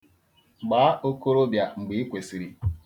Gbaa okorobịa mgbe ị kwesịrị.